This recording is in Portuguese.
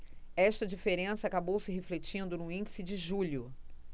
esta diferença acabou se refletindo no índice de julho